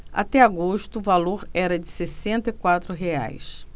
até agosto o valor era de sessenta e quatro reais